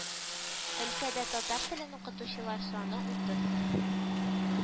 Өлкәдә татар телен укытучылар саны утыз